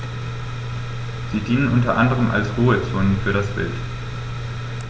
Sie dienen unter anderem als Ruhezonen für das Wild.